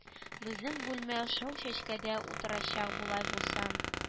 Безнең бүлмә шау чәчкәдә утырачак болай булса